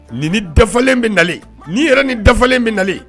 Nin ni dafalen bɛ nalen ni yɛrɛ ni dafalen bɛ nalen